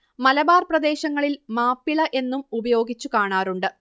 മലബാർ പ്രദേശങ്ങളിൽ മാപ്പിള എന്നും ഉപയോഗിച്ചു കാണാറുണ്ട്